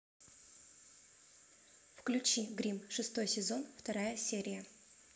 включи гримм шестой сезон вторая серия